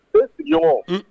I sigiɲɔgɔn